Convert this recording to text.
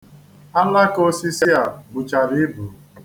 Alaka osisi a buchara ibu.